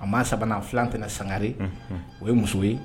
a ma sabanan filan tɛna sangare o ye muso ye